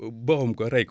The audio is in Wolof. boxom ko ray ko